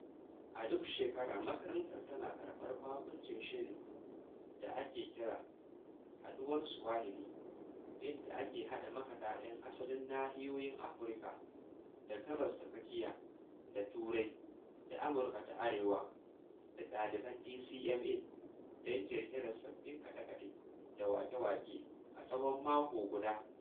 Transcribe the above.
A duk shekara, makarantar tana karɓar baƙuncin wani shiri da ake kira "Haɗuwar Swahili" inda ake haɗa makaɗa 'yan asalin nahiyoyin Afirka da Gabas ta Tsakiya da Turai da Amurka ta Arewa da ɗaliban DCMA don ƙirƙirar sababbin kaɗe-kaɗe da waƙe-waƙe a tsahon mako guda.